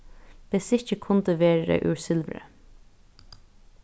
bestikkið kundi verið úr silvuri